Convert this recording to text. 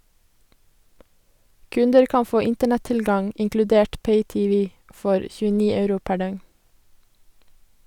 Kunder kan få internett-tilgang inkludert pay-tv for 29 euro per døgn.